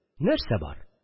Нәрсә бар